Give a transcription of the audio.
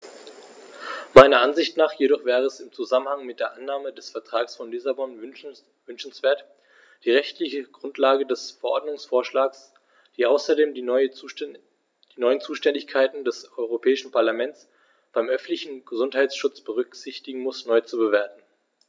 Meiner Ansicht nach jedoch wäre es im Zusammenhang mit der Annahme des Vertrags von Lissabon wünschenswert, die rechtliche Grundlage des Verordnungsvorschlags, die außerdem die neuen Zuständigkeiten des Europäischen Parlaments beim öffentlichen Gesundheitsschutz berücksichtigen muss, neu zu bewerten.